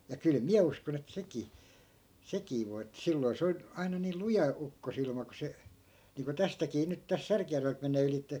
ja kyllä minä uskon että sekin sekin voi että silloin se on aina niillä luja ukkosilma kun se niin kuin tästäkin nyt tässä Särkijärveltä menee ylitse